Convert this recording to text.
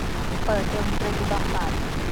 เปิดดนตรีบำบัด